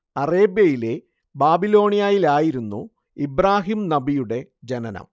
അറേബ്യയിലെ ബാബിലോണിയയിലായിരുന്നു ഇബ്രാഹിം നബിയുടെ ജനനം